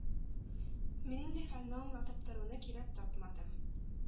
Мин инде хәлне аңлатып торуны кирәк тапмадым.